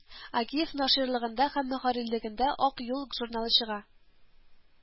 Агиев наширлыгында һәм мөхәррирлегендә Ак юл журналы чыга